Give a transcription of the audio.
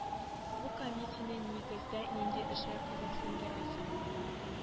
Бу комиссияне нигездә нинди эшләр кызыксындыра соң